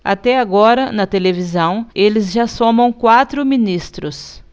até agora na televisão eles já somam quatro ministros